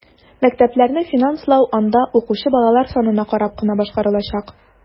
Мәктәпләрне финанслау анда укучы балалар санына карап кына башкарылачак.